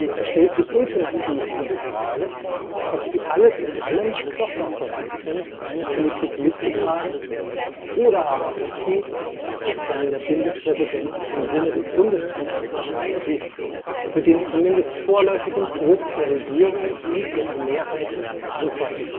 Er stellt sie ultimativ vor die Frage, ob sie alles in allem doch noch bereit sind, seine Politik mitzutragen, oder aber ob sie – sofern der Bundespräsident im Sinne des Bundeskanzlers entscheidet – für den zumindest vorläufigen Bruch der Regierung und ihrer Mehrheit verantwortlich